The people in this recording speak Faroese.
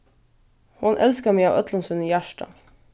hon elskar meg av øllum sínum hjarta